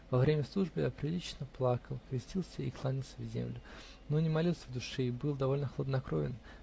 Во время службы я прилично плакал, крестился и кланялся в землю, но не молился в душе и был довольно хладнокровен